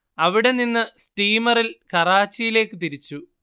അവിടെനിന്ന് സ്റ്റീമറിൽ കറാച്ചിയിലേക്ക് തിരിച്ചു